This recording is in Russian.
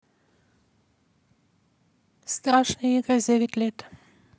страшные игры девять лет